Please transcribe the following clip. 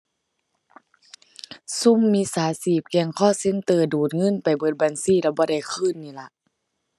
ซุมมิจฉาชีพ แก๊ง call center ดูดเงินไปเบิดบัญชีแล้วบ่ได้คืนนี่ล่ะ